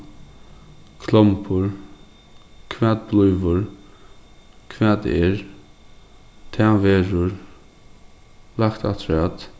klombur hvat blívur hvat er tað verður lagt afturat